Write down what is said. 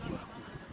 waa